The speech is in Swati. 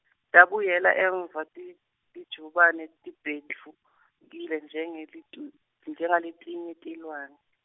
Tabuyela emuva ti- tijabulile tibhedvukile njengaletu- njengaletinye tilwane.